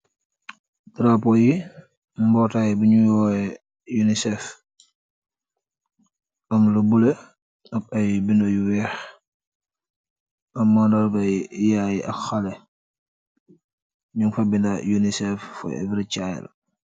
Drapo yi mbootaay bi nyui woowe UNICEF am lu bule ak ay binda yu weeh. Am manorgay yaayi ak haleh nyug fa binda UNICEF for every child.